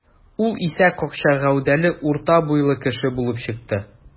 Ул исә какча гәүдәле, урта буйлы кеше булып чыкты.